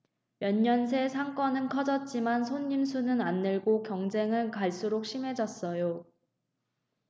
몇 년 새 상권은 커졌지만 손님 수는 안 늘고 경쟁은 갈수록 심해졌어요